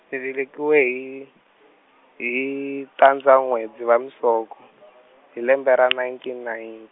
ni velekiwe hi, hi tandza n'we Dzivamisoko, hi lembe ra nineteen nine.